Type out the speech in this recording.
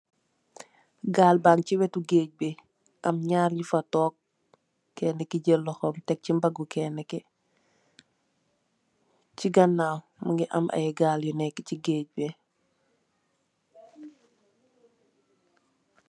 Galle ban ci wetu geej, bi am narr nufa tog keen ki jall loho tek ci magah keen ki ci ganaaw mingi am ayi gale yu neki ci geej bi.